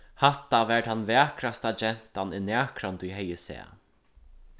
hatta var tann vakrasta gentan eg nakrantíð hevði sæð